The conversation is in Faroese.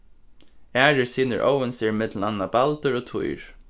aðrir synir óðins eru millum annað baldur og týr